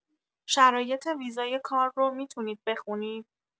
شرایط ویزای کار رو می‌تونید بخونید.